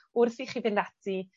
wrth i chi fynd ati